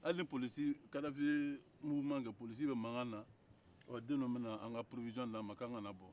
hali ni polisi ni kadafi ye taama kɛ polisiw bɛ mankanna den ninnu bɛ n' an ka makoɲɛfɛnw d'an ma k'an kana bɔ